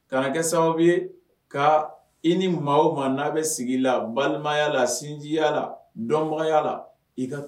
Kana kɛ sababu ye kaa i ni maa o maa n'a be sigi la balimaya la sinjiya la dɔnbagaya la i ka